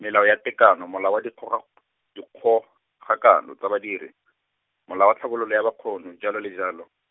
Molao wa Tekano, Molao wa Dikgoga- , Dikgogakano tsa Badiri, Molao wa Tlhabololo ya Bokgoni jalo le jalo.